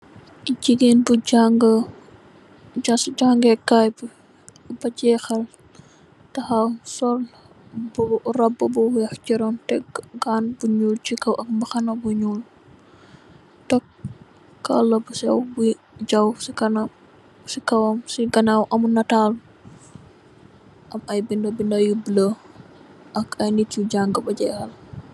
Jigeen bu janga tok ci jàngeekaay bi ba jehal takhaw sol robu bu weex ci ron sol gown bu ñuul ci kaw ak mbaxana bu ñuul, tek kala bu jaw vi kawam, ci gannaaw amut netal, am ay binda binda yu bulo am nyu jang ngu ba jehal.